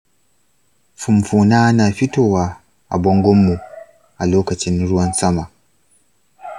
fumfuna na fitowa a bangonmu a lokacin ruwan sama.